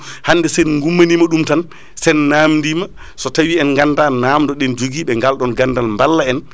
hannde sen gumma nima ɗum tan sen namdima so tawi en ganda namdoɗen joguiɓe gal ɗon gandal balla en